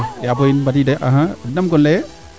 yaa boy nu mbadida yo axa nam gonle yee